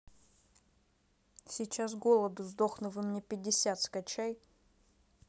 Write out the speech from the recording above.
сейчас голоду сдохну вы мне пятьдесят скачай